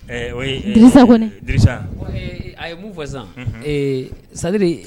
Ɛɛ osa kɔni disa a ye mun fɔ sisan ee salire